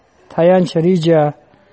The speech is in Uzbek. tayanch reja